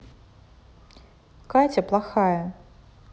катя плохая